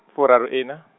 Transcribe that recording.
furaruiṋa.